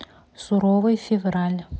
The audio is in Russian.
суровый февраль